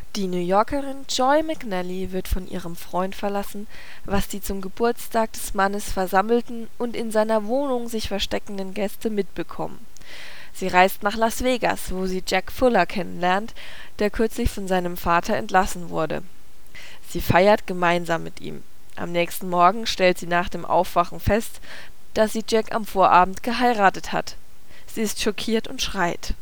Die New Yorkerin Joy McNally wird von ihrem Freund verlassen, was die zum Geburtstag des Mannes versammelten und in seiner Wohnung sich versteckenden Gäste mitbekommen. Sie reist nach Las Vegas, wo sie Jack Fuller kennen lernt, der kürzlich von seinem Vater entlassen wurde. Sie feiert gemeinsam mit ihm. Am nächsten Morgen stellt sie nach dem Aufwachen fest, dass sie Jack am Vorabend geheiratet hat. Sie ist schockiert und schreit